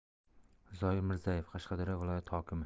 zoyir mirzayev qashqadaryo viloyati hokimi